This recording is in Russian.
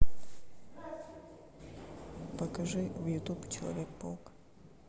покажи в ютуб человек паук